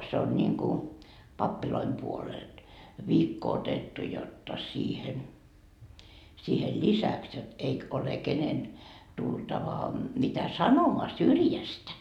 se on niin kuin pappien puolelta viikko otettu jotta siihen siihen lisäksi jotta eikä ole kenen tultava mitä sanomaan syrjästä